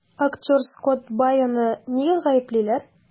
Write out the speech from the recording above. Актер Скотт Байоны нидә гаеплиләр?